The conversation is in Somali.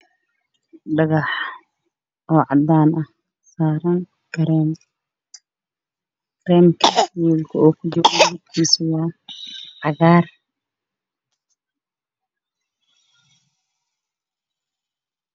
Dhagax cadaan ah saaran kareen